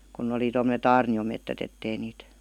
kun oli tuommoiset aarniometsät että ei niitä